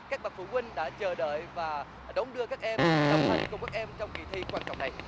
các bậc phụ huynh đã chờ đợi và đón đưa các em đồng hành cùng các em trong kỳ thi quan trọng này